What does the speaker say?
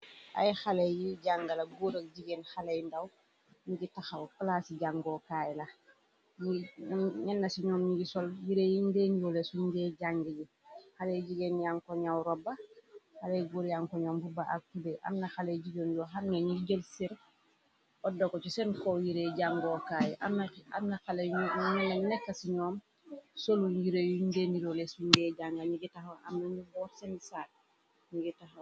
Ay xale yu jàngala góor ak jigeen xaleyu ndaw ñigi taxaw palaasi jangookaay la ñenna ci ñoom ñigi sol yiree yiñ ndeenirole su njee jàng yi xaley jigeen yan koñaw robba xaley góur yankoñoom bubba ak tube amna xaley jigeen yu xarna ñi jël ser odda ko ci seen xow yireey jangookaay xñuna nekka ci ñoom solu yiré yu ndeenirole su ngée jànga ñigi taxaw am na ñu niroor seeni saak ñi gi taxaw.